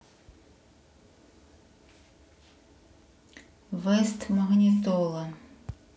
west магнитола